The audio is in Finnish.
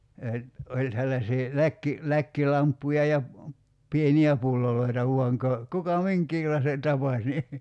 ja oli sellaisia - läkkilamppuja ja pieniä pulloja vain - kuka minkäkinlaisen tapasi niin